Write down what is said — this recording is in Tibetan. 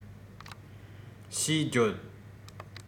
ཞེས བརྗོད